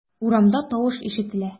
Урамда тавыш ишетелә.